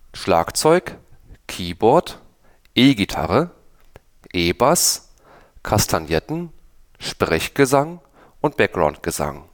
Schlagzeug Keyboard E-Gitarre E-Bass Kastagnetten Sprechgesang Backgroundgesang